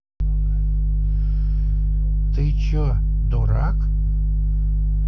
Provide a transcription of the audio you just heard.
ты чедурак